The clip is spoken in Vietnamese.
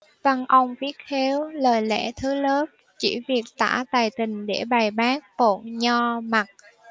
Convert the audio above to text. văn ông viết khéo lời lẽ thứ lớp chỉ việt tả tài tình để bài bác bọn nho mặc